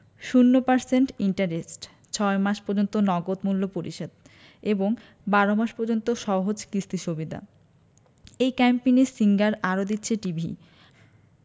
০% interest ৬ মাস পর্যন্ত নগদ মূল্য পরিশোধ এবং ১২ মাস পর্যন্ত সহজ কিস্তি সুবিধা এই ক্যাম্পেইনে সিঙ্গার আরো দিচ্ছে টিভি